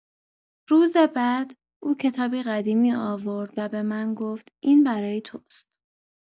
روز بعد او کتابی قدیمی آورد و به من گفت این برای توست.